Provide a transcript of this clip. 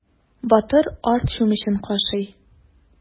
Батыр арт чүмечен кашый.